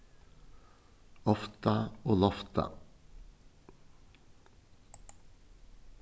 ofta og lofta